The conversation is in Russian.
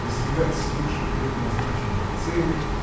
достигать свыше предназначенной цели